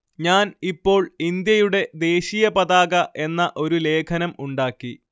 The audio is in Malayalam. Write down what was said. ഞാൻ ഇപ്പോൾ ഇന്ത്യയുടെ ദേശീയ പതാക എന്ന ഒരു ലേഖനം ഉണ്ടാക്കി